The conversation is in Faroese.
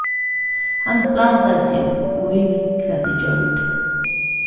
hann blandaði seg upp í hvat eg gjørdi